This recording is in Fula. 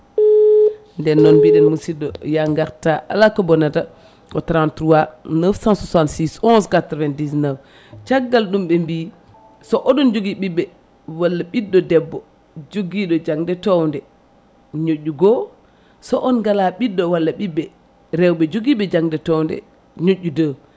nden noon mbiɗen musidɗo ya garta alako bonnata ko 33 966 11 99 caggal ɗum ɓe mbi so oɗon jgui ɓiɓɓe walla ɓiɗɗo debbo jogui ɗo jangde towde ñoƴƴu goho so on gala ɓiɗɗo walla ɓiɓɓe rewɓe joguiɓe jangde towde ñoƴƴu 2